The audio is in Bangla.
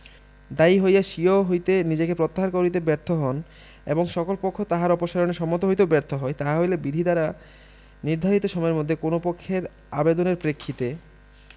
দায়ী হইয়া স্বীয় হইতে নিজেকে প্রত্যাহার কারিতে ব্যর্থ হন এবং সকল পক্ষ তাহার অপসারণে সম্মত হইতেও ব্যর্থ হয় তাহা হইলে বিধি দ্বারা নির্ধারিত সময়ের মধ্যে কোন পক্ষের আবেদনের প্রেক্ষিতে